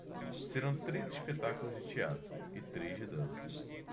serão três espetáculos de teatro e três de dança